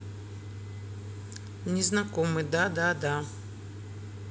незнакомый да да да